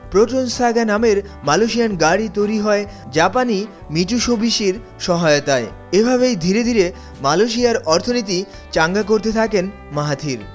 proton Saga নামের Malaysian গাড়ি তৈরি হয় জাপানি মিৎসুবিশির সহায়তায় এভাবেই ধীরে ধীরে মালয়েশিয়ার অর্থনীতি চাঙ্গা করতে থাকেন মাহাথির